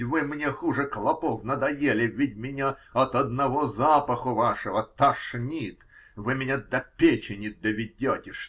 Ведь вы мне хуже клопов надоели, ведь меня от одного запаху вашего тошнит, вы меня до печени доведете.